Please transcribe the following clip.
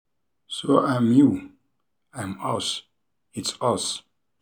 "So I'm you, I'm us, it's us.